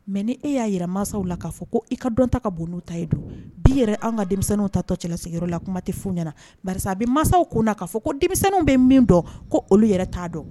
Mɛ' e y'a yɛrɛ mansaw la k'a fɔ ko i ka dɔn ta ka bon n'o ta ye don bi yɛrɛ an ka denmisɛnninw ta tɔ cɛlala sigiyɔrɔ la kuma tɛ fu ɲɛna karisa a bɛ mansaw ko k'a fɔ ko denmisɛnninw bɛ min dɔn ko olu yɛrɛ t'a dɔn